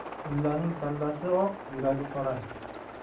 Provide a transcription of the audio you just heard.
mullaning sallasi oq yuragi qora